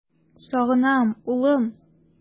Сагынам, улым!